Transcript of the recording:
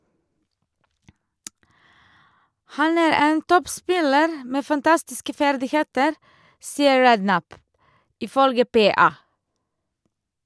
Han er en toppspiller med fantastiske ferdigheter, sier Redknapp, ifølge PA.